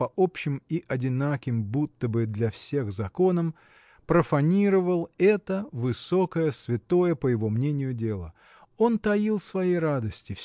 по общим и одинаким будто бы для всех законам профанировал это высокое святое по его мнению дело. Он таил свои радости